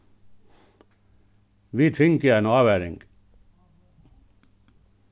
vit fingu eina ávaring